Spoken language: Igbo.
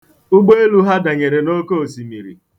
Ụgbọelu ha danyere n'okeosimiri.